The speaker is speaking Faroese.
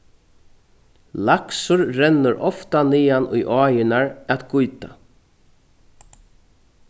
laksur rennur ofta niðan í áirnar at gýta